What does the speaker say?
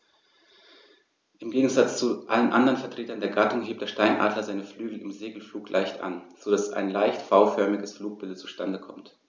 Im Gegensatz zu allen anderen Vertretern der Gattung hebt der Steinadler seine Flügel im Segelflug leicht an, so dass ein leicht V-förmiges Flugbild zustande kommt.